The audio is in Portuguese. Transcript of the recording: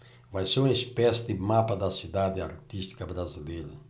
vai ser uma espécie de mapa da cidade artística brasileira